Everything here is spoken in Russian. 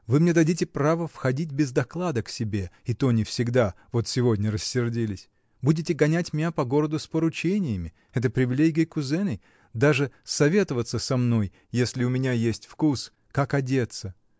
Вы мне дадите право входить без доклада к себе, и то не всегда: вот сегодня рассердились, будете гонять меня по городу с поручениями — это привилегия кузеней, даже советоваться со мной, если у меня есть вкус, как одеться